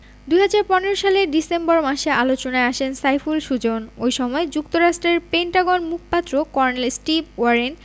২০১৫ সালের ডিসেম্বর মাসে আলোচনায় আসেন সাইফুল সুজন ওই সময় যুক্তরাষ্ট্রের পেন্টাগন মুখপাত্র কর্নেল স্টিভ ওয়ারেন